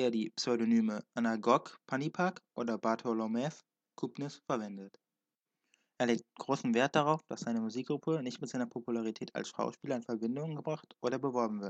die Pseudonyme Angakok Panipaq oder Bartholomew Cubbins verwendete. Er legt großen Wert darauf, dass seine Musikgruppe nicht mit seiner Popularität als Schauspieler in Verbindung gebracht oder beworben